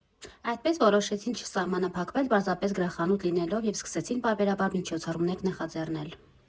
Այդպես որոշեցին չսահմանափակվել պարզապես գրախանութ լինելով և սկսեցին պարբերաբար միջոցառումներ նախաձեռնել։